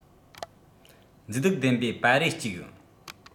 མཛེས སྡུག ལྡན པའི པར རིས ཅིག